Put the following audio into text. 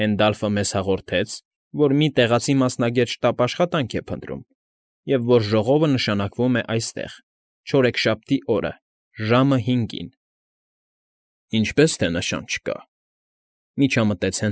Հենդալֆը մեզ հաղորդեց, որ մի տեղացի մասնագետ շտապ աշխատանք է փնտրում, և որ ժողովը նշանակվում է այստեղ, չորեքաբթի օրը, ժամը հինգին։ ֊ Ինչպե՞ս թե նշան չկա,֊ միջամտեց։